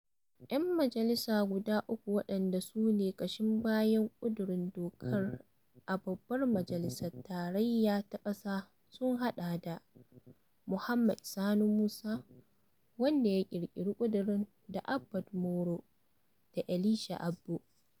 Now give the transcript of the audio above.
Yan majalisa guda uku waɗanda su ne ƙashin bayan ƙudurin dokar a babbar majalisar tarayya ta ƙasa sun haɗa da: Mohammed Sani Musa (wanda ya ƙirƙiri ƙudurin) da Abba Moro da Elisha Abbo